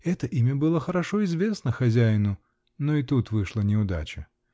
Это имя было хорошо известно хозяину -- но и тут вышла неудача.